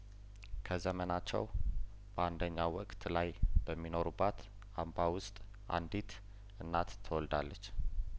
ከዘመ ናቸው በአንደኛው ወቅት ላይ በሚ ኖሩባት አምባ ውስጥ አንዲት እናትት ወልዳለች